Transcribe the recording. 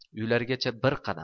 uylarigacha bir qadam